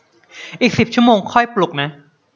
อีกสิบชั่วโมงค่อยปลุกนะ